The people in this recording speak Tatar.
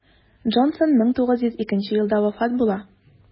Джонсон 1902 елда вафат була.